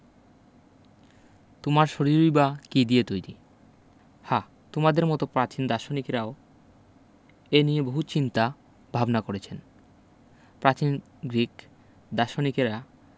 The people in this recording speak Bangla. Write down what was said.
তোমার শরীরই বা কী দিয়ে তৈরি হা তোমাদের মতো প্রাচীন দার্শনিকরাও এ নিয়ে বহু চিন্তাভাবনা করেছেন প্রাচীন গ্রিক দার্শনিকেরা